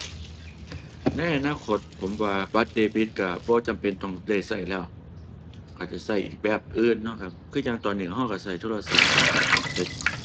ในอนาคต ผมว่าบัตรเดบิตก็บ่จำเป็นต้องได้ก็แล้ว ก็จะก็แบบอื่นเนาะครับ คือจั่งตอนนี้ก็ก็ก็โทรศัพท์ ก็ เฮ็ด